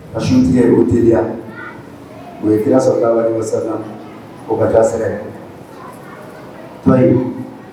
Ka sunjatatigi o teri o ye kira sɔrɔ saga o ka kira saya ye